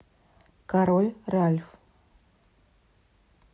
король ральф